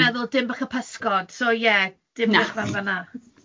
O, o'n i'n meddwl Dinbych y Pysgod, so ie, Dinbych fel yna.